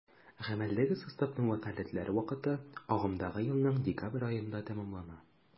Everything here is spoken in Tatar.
Гамәлдәге составның вәкаләтләре вакыты агымдагы елның декабрь аенда тәмамлана.